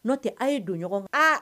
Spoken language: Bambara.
N'o tɛ a ye don ɲɔgɔn aa